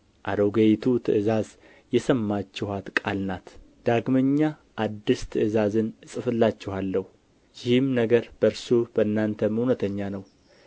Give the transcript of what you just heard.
አሮጌይቱ ትእዛዝ የሰማችኋት ቃል ናት ዳግመኛ አዲስ ትእዛዝን እጽፍላችኋለሁ ይህም ነገር በእርሱ በእናንተም እውነተኛ ነው